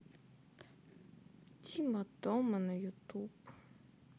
тима тома на ютуб